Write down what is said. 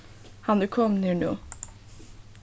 hann er komin her nú